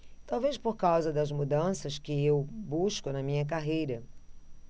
talvez por causa das mudanças que eu busco na minha carreira